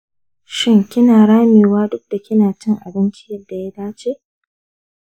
shin kina ramewa duk da kinacin abinci yadda ya dace?